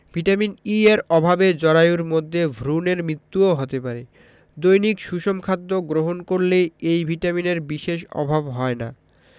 vitamin E এর অভাবে জরায়ুর মধ্যে ভ্রুনের মৃত্যুও হতে পারে দৈনিক সুষম খাদ্য গ্রহণ করলে এই ভিটামিনের বিশেষ অভাব হয় না